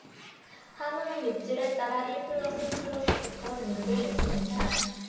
한우는 육질에 따라 일 플러스 플러스부터 등급을 매깁니다